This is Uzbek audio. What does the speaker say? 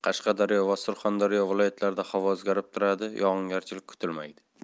qashqadaryo va surxondaryo viloyatlarida havo o'zgarib turadi yog'ingarchilik kutilmaydi